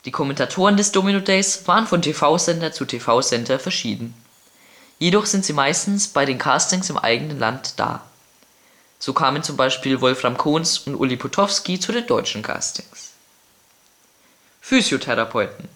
Kommentatoren des Domino Days waren von TV-Sender zu TV-Sender verschieden. Jedoch sind sie meistens bei den Castings im eigenen Land da. So kamen zum Beispiel Wolfram Kons und Ulli Potofski zu den Deutschen Castings. Physio-Therapeuten